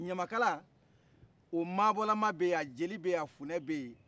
ɲamakala o mabɔla beyi a jeli beyi a funɛ beyi